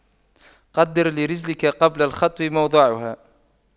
قَدِّرْ لِرِجْلِكَ قبل الخطو موضعها